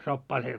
soppaa se